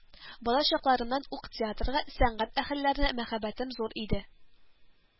Бала чакларымнан ук театрга, сәнгать әһелләренә мәхәббәтем зур иде